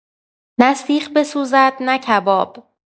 نه سیخ بسوزد نه کباب